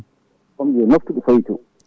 kam yo naftu ɗo fayito